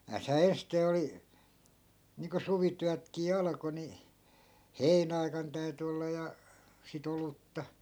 näethän ensisteen oli niin kuin suvityötkin alkoi niin heinäaikana täytyi olla ja sitä olutta